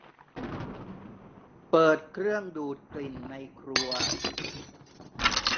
เปิดเครื่องดูดกลิ่นในครัว